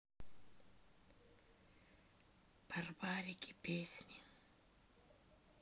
барбарики песни